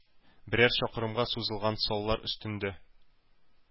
Берәр чакрымга сузылган саллар өстендә